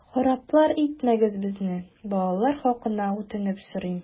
Хараплар итмәгез безне, балалар хакына үтенеп сорыйм!